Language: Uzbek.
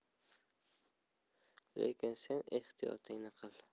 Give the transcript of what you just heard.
lekin sen ehtiyotingni qil